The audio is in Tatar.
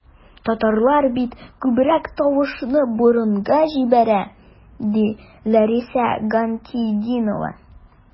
Татарлар бит күбрәк тавышны борынга җибәрә, ди Лариса Гайнетдинова.